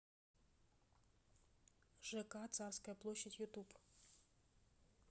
жк царская площадь ютуб